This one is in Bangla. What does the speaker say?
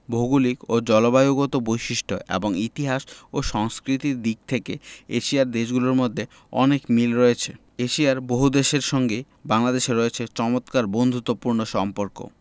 ভৌগলিক ও জলবায়ুগত বৈশিষ্ট্য এবং ইতিহাস ও সংস্কৃতির দিক থেকে এশিয়ার দেশগুলোর মধ্যে অনেক মিল রয়েছে এশিয়ার বহুদেশের সঙ্গেই বাংলাদেশের রয়েছে চমৎকার বন্ধুত্বপূর্ণ সম্পর্ক